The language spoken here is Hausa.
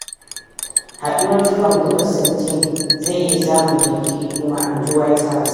Haduwar Trump da Rosenstein zai iya samun jinkiri kuma, inji White House